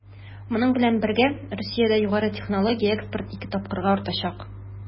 Моның белән бергә Русиядә югары технологияле экспорт 2 тапкырга артачак.